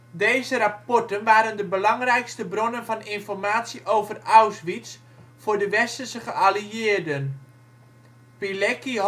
Deze rapporten waren de belangrijkste bronnen van informatie over Auschwitz voor de westerse geallieerden. Pilecki